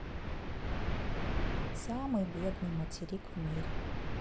самый бедный материк в мире